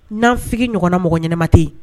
Nanfigi ɲɔgɔn na mɔgɔ ɲanama tɛ yen